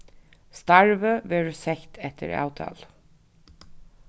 starvið verður sett eftir avtalu